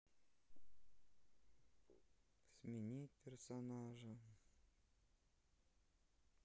сменить персонажа